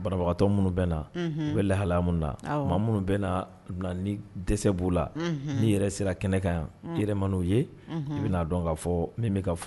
Banabagatɔ minnu bɛ na u bɛ lahalamu na maa minnu bɛ ni dɛsɛ bu la ni yɛrɛ sera kɛnɛ kan yan i yɛrɛ ma n'u ye i bɛnaa dɔn ka fɔ min bɛ ka furu